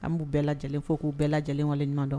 An b'u bɛɛ lajɛlen fo k'u bɛɛ la lajɛlenwale ɲɔgɔndɔn